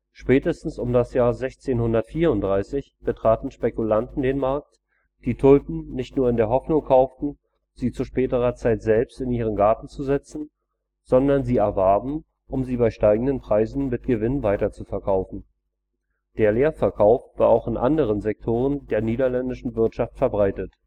Spätestens um das Jahr 1634 betraten Spekulanten den Markt, die Tulpen nicht nur in der Hoffnung kauften, sie zu späterer Zeit selbst in ihren Garten zu setzen, sondern sie erwarben, um sie bei steigenden Preisen mit Gewinn weiterzuverkaufen. Der Leerverkauf war auch in anderen Sektoren der niederländischen Wirtschaft verbreitet